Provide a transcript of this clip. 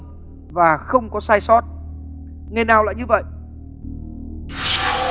và không có sai sót đèn nào lại như vậy hãy